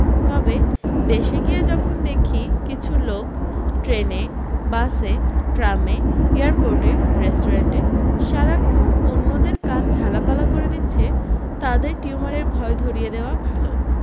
তবে দেশে গিয়ে যখন দেখি কিছু লোক ট্রেনে বাসে ট্রামে এয়ারপোর্টে রেস্টুরেণ্টে সারাক্ষণ অন্যদের কান ঝালাপালা করে দিচ্ছে তাদের টিউমারের ভয় ধরিয়ে দেওয়া ভালো